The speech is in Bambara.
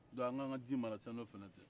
dɔnku an k'an ka ji mara sann'o fana cɛ